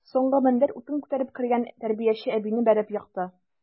Соңгы мендәр утын күтәреп кергән тәрбияче әбине бәреп екты.